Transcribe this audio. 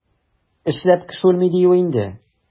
Эшләп кеше үлми, диюе инде.